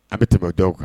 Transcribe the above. Aw bɛ tɛmɛ dɔw aw kan